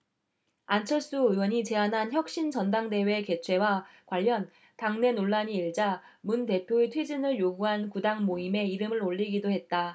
안철수 의원이 제안한 혁신 전당대회 개최와 관련 당내 논란이 일자 문 대표의 퇴진을 요구한 구당모임에 이름을 올리기도 했다